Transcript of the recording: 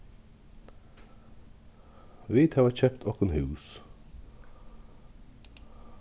vit hava keypt okkum hús